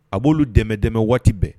A b'olu dɛmɛ dɛmɛ waati bɛɛ